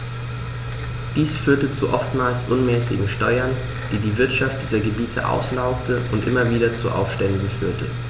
Dies führte zu oftmals unmäßigen Steuern, die die Wirtschaft dieser Gebiete auslaugte und immer wieder zu Aufständen führte.